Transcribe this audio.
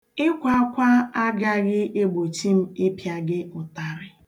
Ịkwa akwa agaghị egbochi m ịpịa gị ụtarị.